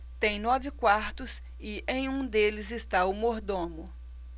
tem nove quartos e em um deles está o mordomo